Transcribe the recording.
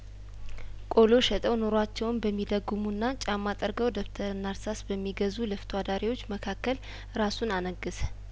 ቆሎ ሸጠው ኑሯቸውን በሚደጉሙና ጫማ ጠርገው ደብተርና እርሳስ በሚገዙ ለፍቶ አዳሪዎች መካከል እራሱን አነገሰ